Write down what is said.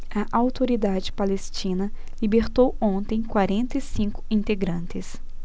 a autoridade palestina libertou ontem quarenta e cinco integrantes